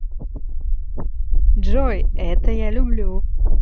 джой это я люблю